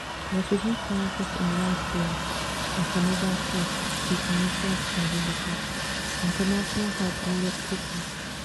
refugee crisis in ras jdir is another threat to tunisia's stability – international help needed quickly.